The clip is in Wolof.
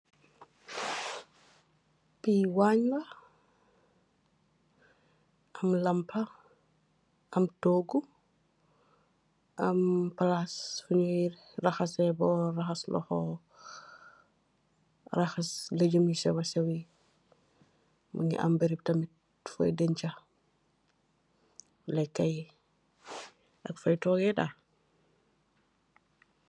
Fii waange la, am lampa, am toogu, am palaas funyii rahasee bowl, rahas loho, rahas legum yu sewa sewi, mungi am berep tamit, foy dencha lekayi ak foy togee daal.